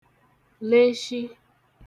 leshi